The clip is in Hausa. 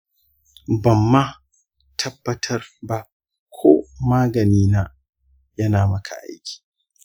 ban ma tabbatar ba ko magani na yana ma aiki.